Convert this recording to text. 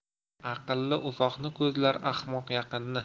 aqlli uzoqni ko'zlar ahmoq yaqinni